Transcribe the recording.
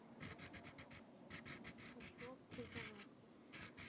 хочу авторизоваться